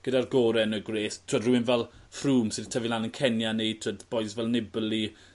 gyda'r gore yn y gwres t'wod rywun fel Froome sy' 'di tyfu lan yn Kenya neu t'wod bois fel Nibali